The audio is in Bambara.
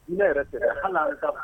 Nɛ yɛrɛ tɛ dɛ hali